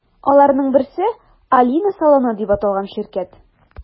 Аларның берсе – “Алина салоны” дип аталган ширкәт.